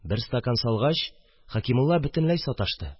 Бер стакан салгач Хәкимулла бөтенләй саташты